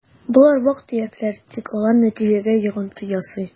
Болар вак-төякләр, тик алар нәтиҗәгә йогынты ясый: